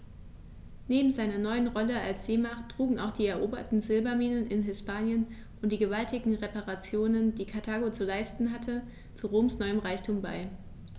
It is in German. Neben seiner neuen Rolle als Seemacht trugen auch die eroberten Silberminen in Hispanien und die gewaltigen Reparationen, die Karthago zu leisten hatte, zu Roms neuem Reichtum bei.